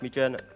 mi trên ạ